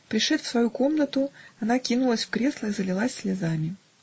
Пришед в свою комнату, она кинулась в кресла и залилась слезами.